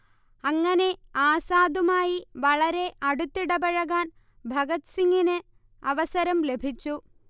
അങ്ങനെ ആസാദുമായി വളരെ അടുത്തിടപഴകാൻ ഭഗത് സിംഗിന് അവസരം ലഭിച്ചു